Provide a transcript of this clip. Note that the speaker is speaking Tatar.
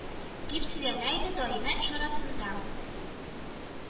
Дип сөйләнә иде даимә эш арасында